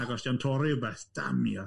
Ac os ydy o'n torri rhywbeth, damio.